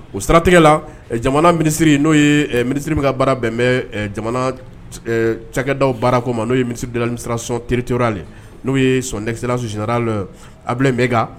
O siratigɛla jamana minisiri n'o ye minisiriri min ka baara bɛn bɛ cada baarako n' yela sɔn tere n'o ye sonɛsirilas a bila bɛ kan